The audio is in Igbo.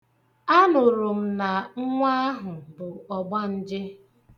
Anụrụ m na nwa ahụ bụ ọgbanje.